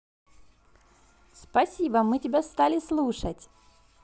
спасибо мы тебя стали слушать